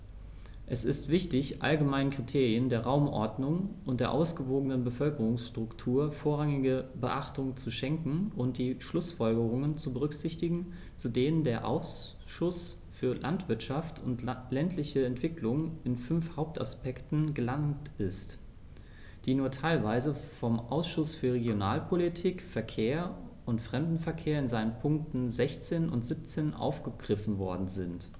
Es ist wichtig, allgemeinen Kriterien der Raumordnung und der ausgewogenen Bevölkerungsstruktur vorrangige Beachtung zu schenken und die Schlußfolgerungen zu berücksichtigen, zu denen der Ausschuss für Landwirtschaft und ländliche Entwicklung in fünf Hauptaspekten gelangt ist, die nur teilweise vom Ausschuss für Regionalpolitik, Verkehr und Fremdenverkehr in seinen Punkten 16 und 17 aufgegriffen worden sind.